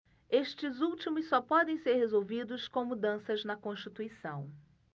estes últimos só podem ser resolvidos com mudanças na constituição